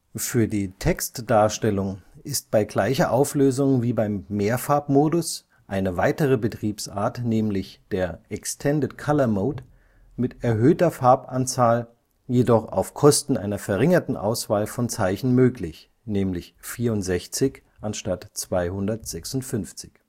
Für die Textdarstellung ist bei gleicher Auflösung wie beim Mehrfarbmodus eine weitere Betriebsart (engl. extended colour mode) mit erhöhter Farbanzahl jedoch auf Kosten einer verringerten Auswahl von Zeichen (64 anstatt 256